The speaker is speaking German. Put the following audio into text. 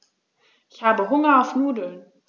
Ich habe Hunger auf Nudeln.